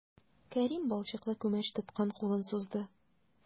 Кәрим балчыклы күмәч тоткан кулын сузды.